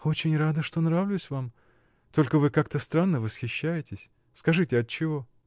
— Очень рада, что нравлюсь вам; только вы как-то странно восхищаетесь. Скажите, отчего?